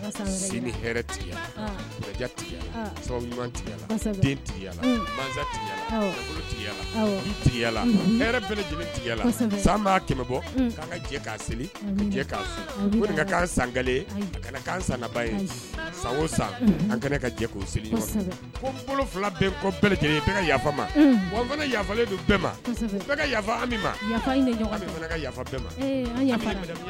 San' kɛmɛ bɔ jɛ sangale ka sanba ye san o san an ka jɛ seli ko bolo fila bɛ ka ma wa yaalen don bɛɛ ma an ma